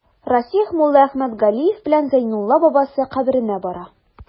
Расих Муллаәхмәт Галиев белән Зәйнулла бабасы каберенә бара.